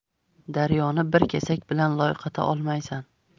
daryoni bir kesak bilan loyqata olmaysan